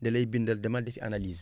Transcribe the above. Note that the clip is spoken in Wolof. da lay bindal demel defi analyse